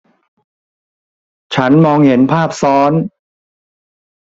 ฉันมองเห็นภาพซ้อน